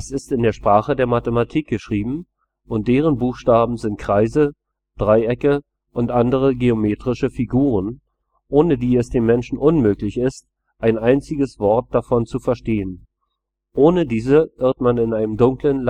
ist in der Sprache der Mathematik geschrieben, und deren Buchstaben sind Kreise, Dreiecke und andere geometrische Figuren, ohne die es dem Menschen unmöglich ist, ein einziges Wort davon zu verstehen; ohne diese irrt man in einem dunklen